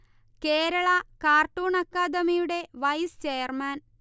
Kerala cartoon അക്കാദമിയുടെ vice chairman